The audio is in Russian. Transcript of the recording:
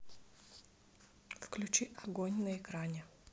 включи огонь на экране